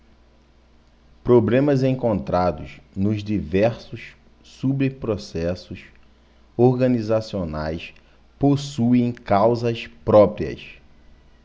problemas encontrados nos diversos subprocessos organizacionais possuem causas próprias